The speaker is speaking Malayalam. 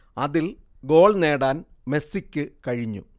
അതിൽ ഗോൾ നേടാൻ മെസ്സിക്ക് കഴിഞ്ഞു